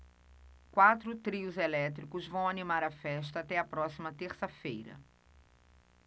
quatro trios elétricos vão animar a festa até a próxima terça-feira